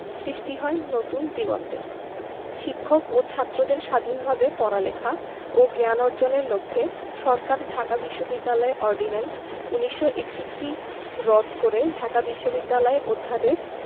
সৃষ্টি হয় নতুন দিগন্তের শিক্ষক ও ছাত্রদের স্বাধীনভাবে পড়ালেখা ও জ্ঞান অর্জনের লক্ষ্যে সরকার ঢাকা বিশ্ববিদ্যালয় অর্ডিন্যান্স ১৯৬১ রদ করে ঢাকা বিশ্ববিদ্যালয় অধ্যাদেশ